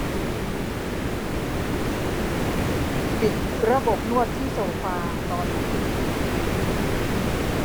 ปิดระบบนวดที่โซฟาตอนนี้